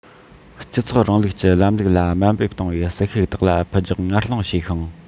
སྤྱི ཚོགས རིང ལུགས ཀྱི ལམ ལུགས ལ དམའ འབེབས གཏོང བའི ཟིལ ཤུགས དག ལ ཕུ རྒྱག ངར སློང བྱས ཤིང